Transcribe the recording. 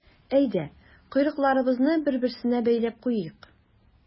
Әйдә, койрыкларыбызны бер-берсенә бәйләп куйыйк.